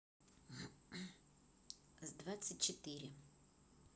с двадцать четыре